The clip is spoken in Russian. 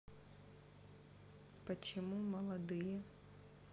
почему молодые